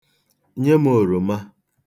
Nye m oroma.